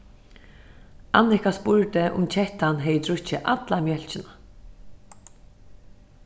annika spurdi um kettan hevði drukkið alla mjólkina